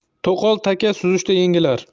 to'qol taka suzishda yengilar